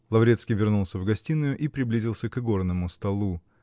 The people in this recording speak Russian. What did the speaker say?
Лаврецкий вернулся в гостиную и приблизился к игорному столу.